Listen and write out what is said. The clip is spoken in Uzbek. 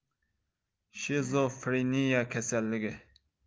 shezofreniya kasalligi